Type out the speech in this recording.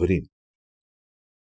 Ղրիմ։